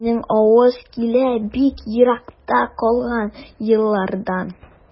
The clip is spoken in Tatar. Синең аваз килә бик еракта калган еллардан.